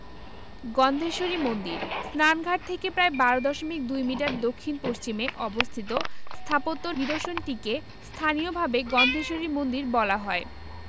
গন্ধেশ্বরী মন্দিরঃ স্নানঘাট থেকে প্রায় ১২ দশমিক ২ মিটার দক্ষিণ পশ্চিমে অবস্থিত স্থাপত্য নিদর্শনটিকে স্থানীয়ভাবে গন্ধেশ্বরীর মন্দির বলা হয়